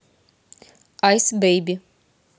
айс бейби